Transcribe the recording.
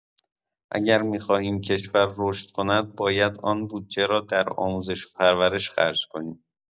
اگر می‌خواهیم کشور رشد کند باید آن بودجه را در آموزش و پرورش خرج کنیم.